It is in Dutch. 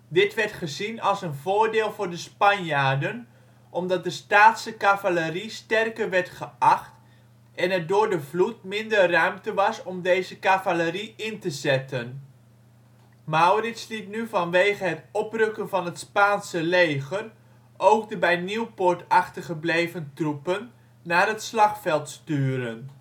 Dit werd gezien als een voordeel voor de Spanjaarden, omdat de Staatse cavalerie sterker werd geacht en er door de vloed minder ruimte was om deze cavalerie in te zetten. Maurits liet nu vanwege het oprukken van het Spaanse leger ook de bij Nieuwpoort achtergebleven troepen naar het slagveld sturen